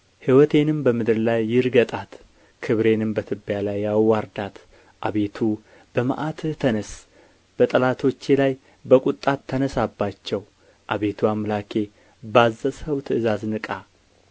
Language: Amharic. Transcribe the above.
ሕይወቴንም በምድር ላይ ይርገጣት ክብሬንም በትቢያ ላይ ያዋርዳት አቤቱ በመዓትህ ተነሥ በጠላቶቼ ላይ በቍጣ ተነሣባቸው አቤቱ አምላኬ ባዘዝኸው ትእዛዝ ንቃ